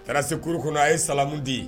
Taara se k kuruk a ye samu de ye